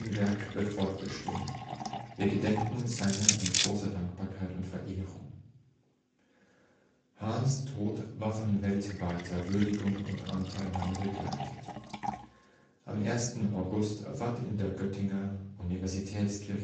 Werk wird fortbestehen. Wir gedenken seiner in großer Dankbarkeit und Verehrung. “Hahns Tod war von weltweiter Würdigung und Anteilnahme begleitet. Am 1. August fand in der Göttinger Universitätskirche